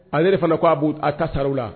Ale yɛrɛ fana k ko a a ta sariw la